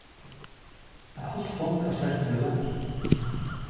eitt hálvt pund av speltmjøli